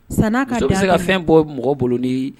San'a se ka fɛn bɔ mɔgɔ bolo ni